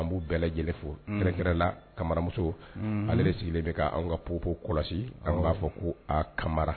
An b'u bɛɛ lajɛlen fo unhun kɛrɛkɛrɛ la Kamaramuso unnhun ale de sigilen bɛ ka anw ka popo kɔlɔsi awɔ an b'a fɔ ko aa Kamara